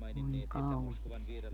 voi kauhea sentään